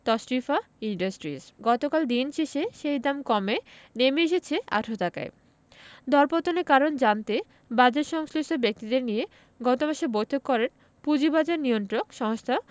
Tashrifa industries গতকাল দিন শেষে সেই দাম কমে নেমে এসেছে ১৮ টাকায় দরপতনের কারণ জানতে বাজারসংশ্লিষ্ট ব্যক্তিদের নিয়ে গত মাসে বৈঠক করেন পুঁজিবাজার নিয়ন্ত্রক সংস্থা